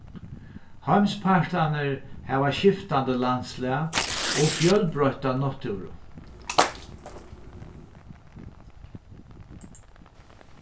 heimspartarnir hava skiftandi landslag og fjølbroytta náttúru